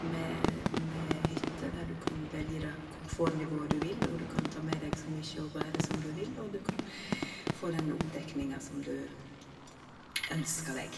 med Med hytter der du kan velge det komfortnivået du vil, og du kan ta med deg så mye å bære som du vil, og du kan få den oppdekninga som du ønsker deg.